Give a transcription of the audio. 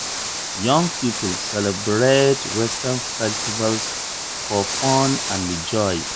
Young people celebrate Western festivals for fun and joy.